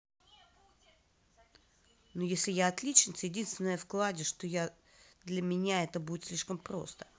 ну если я отличница единственное вкладе что для меня это будет слишком просто